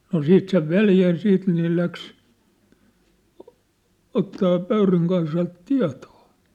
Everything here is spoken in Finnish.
no siitä sen veli ja siitä niin ne lähti ottamaan Pöyryn Kaisalta tietoa